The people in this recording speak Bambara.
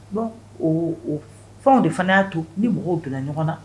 Bɔn fɛnw de fana y'a to ni mɔgɔw bila ɲɔgɔn na